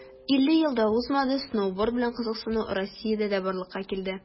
50 ел да узмады, сноуборд белән кызыксыну россиядә дә барлыкка килде.